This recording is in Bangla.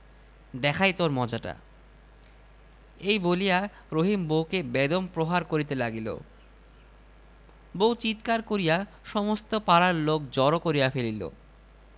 সকাল হইলে রহিম ক্ষেতে আসিয়া লাঙল জুড়িল সে এদিক হইতে লাঙলের ফাড়ি দিয়া ওদিকে যায় ওদিক হইতে এদিকে আসে হঠাৎ তাহার লাঙলের তলা হইতে একটি শোলমাছ লাফাইয়া উঠিল